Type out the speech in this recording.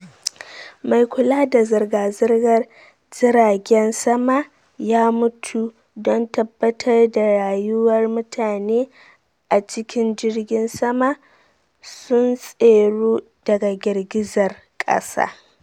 Mai kula da zirga-zirgar jiragen sama ya mutu don tabbatar da rayuwar mutane a cikin jirgin sama sun tseru daga girgizar kasa